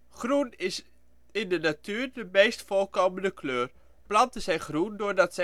is de in de natuur meest voorkomende kleur. Planten zijn groen doordat